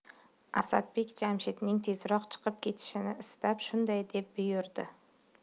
asadbek jamshidning tezroq chiqib ketishini istab shunday deb buyurdi